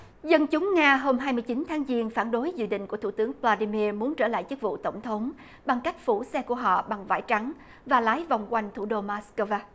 dân chúng nga hôm hai mươi chín tháng giêng phản đối dự định của thủ tướng poa đi mia muốn trở lại chức vụ tổng thống bằng cách phủ xe của họ bằng vải trắng và lái vòng quanh thủ đô mát cơ va